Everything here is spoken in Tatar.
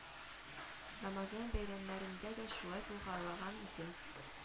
Рамазан бәйрәмнәрендә дә шулай булгалаган иде